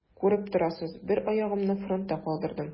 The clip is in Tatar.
Күреп торасыз: бер аягымны фронтта калдырдым.